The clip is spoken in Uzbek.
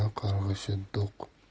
ona qarg'ishi do'q